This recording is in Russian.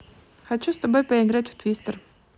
хочу с тобой поиграть в твистер